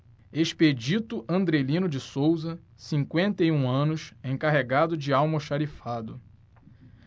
expedito andrelino de souza cinquenta e um anos encarregado de almoxarifado